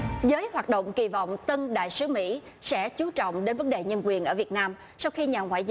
giới hoạt động kỳ vọng tân đại sứ mỹ sẽ chú trọng đến vấn đề nhân quyền ở việt nam sau khi nhà ngoại